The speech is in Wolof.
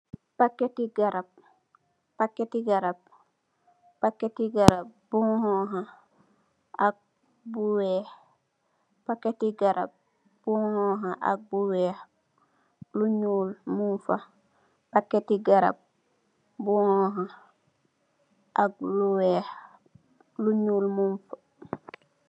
Paketti garap bu xonxa ak lu wèèx, lu ñuul mug fa.